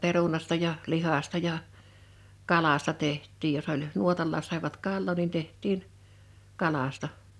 perunasta ja lihasta ja kalasta tehtiin jos oli nuotallakin saivat kalaa niin tehtiin kalasta